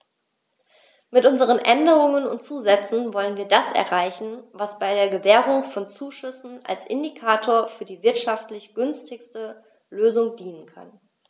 Mit unseren Änderungen und Zusätzen wollen wir das erreichen, was bei der Gewährung von Zuschüssen als Indikator für die wirtschaftlich günstigste Lösung dienen kann.